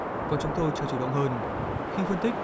có chúng tôi chưa chủ động hơn khi phân tích